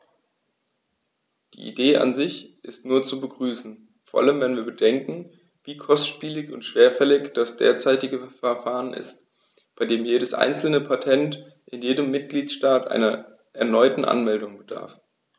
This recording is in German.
Die Idee an sich ist nur zu begrüßen, vor allem wenn wir bedenken, wie kostspielig und schwerfällig das derzeitige Verfahren ist, bei dem jedes einzelne Patent in jedem Mitgliedstaat einer erneuten Anmeldung bedarf.